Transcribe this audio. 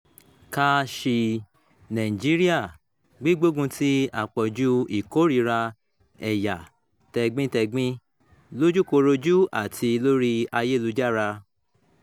Kà sí i: Nàìjíríà: Gbígbógun ti àpọ̀jù ìkórìíra ẹ̀yà tẹ̀gbintẹ̀gbin — lójúkorojú àti lórí ayélujára